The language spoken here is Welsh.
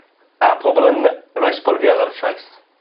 a pobol yn roi sbwriel ar y traeth.